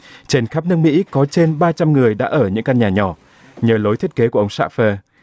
trên khắp nước mỹ có trên ba trăm người đã ở những căn nhà nhỏ nhờ lối thiết kế của ông sáp phơ